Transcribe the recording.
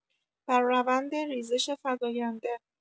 بر روند ریزش فزاینده